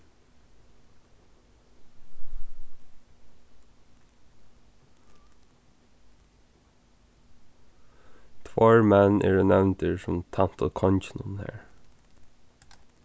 tveir menn eru nevndir sum tæntu konginum har